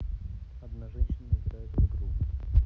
одна женщина играет в игру